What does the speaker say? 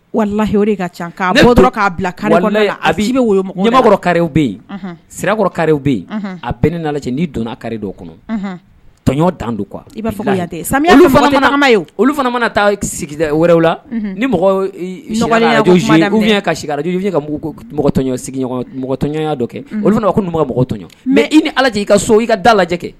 Wala lahiyi ka ca dɔrɔn k'a bila a i bɛ ɲamamɔgɔ kari bɛ yen sirakɔrɔ kariw bɛ yen a bɛn ni n'i donna kari kɔnɔ tɔnɔn dan don kuwa i olu fana mana taa sigi wɛrɛw la ni'ɔnya kɛ olu ko mɔgɔ tɔnɔn mɛ i ni ala i ka so i ka da lajɛjɛ kɛ